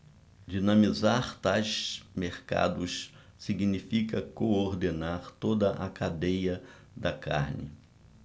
dinamizar tais mercados significa coordenar toda a cadeia da carne